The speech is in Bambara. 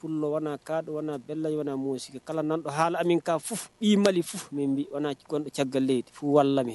Kadɔana bɛɛla maaw sigi kala nadɔ halami i ma fu min bɛ cɛ gɛlɛn ye fu wari lam